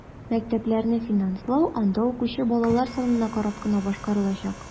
Мәктәпләрне финанслау анда укучы балалар санына карап кына башкарылачак.